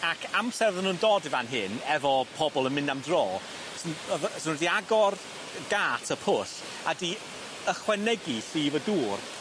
Ac amser oddan nw'n dod i fan hyn efo pobol yn mynd am dro swn- yy f- swn nw di agor y gât y pwll a 'di ychwanegu llif y dŵr